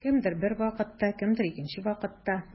Кемдер бер вакытта, кемдер икенче вакытта.